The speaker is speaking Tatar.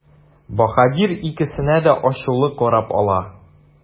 Баһадир икесенә дә ачулы карап ала.